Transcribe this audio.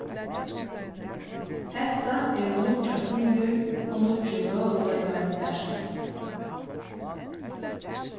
hetta eru nýggjar tíðir og nýggir møguleikar varð sagt